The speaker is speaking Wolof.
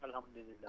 alhamdulilah